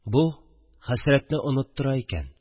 Бу – хәсрәтне оныттыра икән